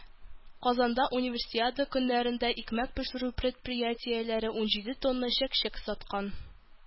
Казанда Универсиада көннәрендә икмәк пешерү предприятиеләре ун җиде тонна чәк-чәк саткан.